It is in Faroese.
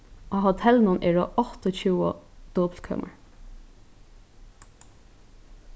á hotellinum eru áttaogtjúgu dupultkømur